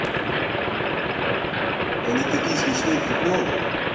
они такие смешные приколы